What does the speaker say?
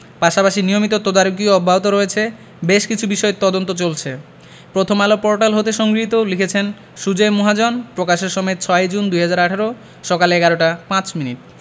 পাশাপাশি নিয়মিত তদারকিও অব্যাহত রয়েছে বেশ কিছু বিষয়ে তদন্ত চলছে প্রথমআলো পোর্টাল হতে সংগৃহীত লিখেছেন সুজয় মহাজন প্রকাশের সময় ৬জুন ২০১৮ সকাল ১১টা ৫ মিনিট